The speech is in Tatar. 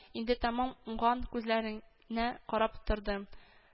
Инде тәмам уңган күзләренә карап тордым